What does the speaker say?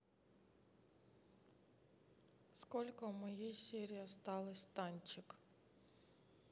сколько у моей серия осталась танчик